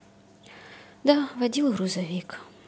да водил грузовик